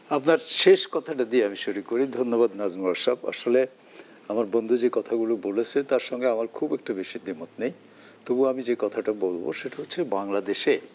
আপনার শেষ কথাটা দিয়ে আমি শুরু করি ধন্যবাদ নাজমুল হক সাহেব আসলে আমার বন্ধু যে কথাগুলো বলেছে তার সঙ্গে আমার খুব একটা বেশি দ্বিমত নেই তবুও আমি যে কথাটা বলব সেটা হচ্ছে বাংলাদেশে